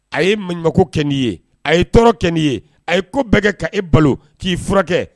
A ye man ɲɔ kɛ nini ye a ye tɔɔrɔ kɛ nini ye a ye ko bɛɛ kɛ ka e balo k'i furakɛ